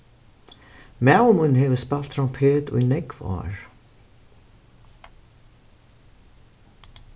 maður mín hevur spælt trompet í nógv ár